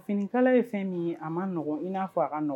Finikala ye fɛn min ye a maɔgɔn in n'a fɔ a kaɔgɔn